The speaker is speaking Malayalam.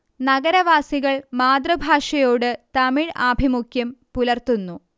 നഗരവാസികൾ മാതൃഭാഷയോട് തമിഴ് ആഭിമുഖ്യം പുലർത്തുന്നു